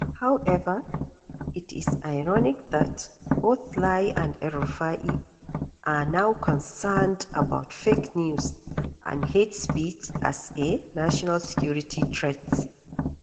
However, it is ironic that both Lai and El-Rufai are now concerned about fake news and hate speech as a national security threat.